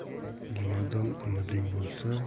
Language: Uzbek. jumadan umiding bo'lsa